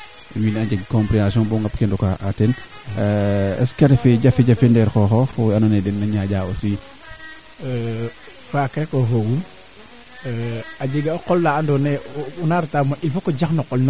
parce que a refa nga saas ne ke waral na ɗikoo ɗik keene andum teen boog saas ne fo xooxum kaa jeg keete fiya no laŋ ke a nafa kene na ten naa ngariida a tosoo mais saas ne ka roma n' est ce pas